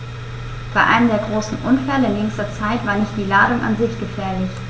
Bei einem der großen Unfälle in jüngster Zeit war nicht die Ladung an sich gefährlich.